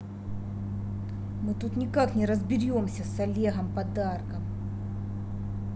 мы тут никак не разберемся с олегом подарком